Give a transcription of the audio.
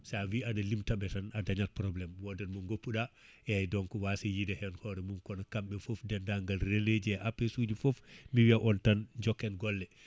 sa wi aɗa limtaɓe tan adañat probléme wodat mo goppuɗa eyyi donc wassa yiide hen hoore mum kono kamɓe foof dendangal relais ji et APS suji foof mi wiya on tan jokken golle